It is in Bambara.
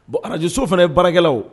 Bon arajoso fana baarakɛlaw